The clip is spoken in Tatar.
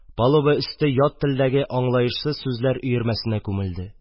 Палуба өсте ят телдәге аңлаешсыз сүзләр өермәсенә күмелде